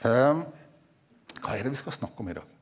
hva er det vi skal snakke om i dag?